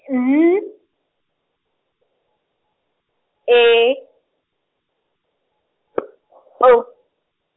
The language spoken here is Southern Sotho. N E P.